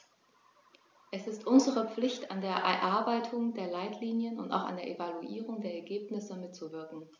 Es ist unsere Pflicht, an der Erarbeitung der Leitlinien und auch an der Evaluierung der Ergebnisse mitzuwirken.